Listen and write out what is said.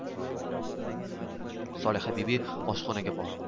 solihabibi oshxonaga bordi